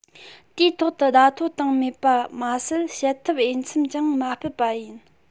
དུས ཐོག ཏུ བརྡ ཐོ བཏང མེད པ མ ཟད བྱེད ཐབས འོས འཚམས ཀྱང མ སྤེལ པ ཡིན